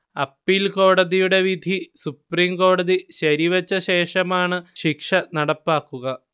appeal കോടതിയുടെ വിധി സുപ്രീംകോടതി ശരിവെച്ച ശേഷമാണ് ശിക്ഷ നടപ്പാക്കുക